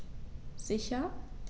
Sicher.